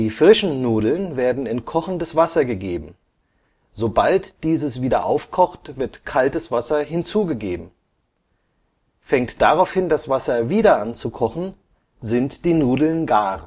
frischen Nudeln werden in kochendes Wasser gegeben; sobald dieses wieder aufkocht, wird kaltes Wasser hinzugegeben. Fängt daraufhin das Wasser wieder an zu kochen, sind die Nudeln gar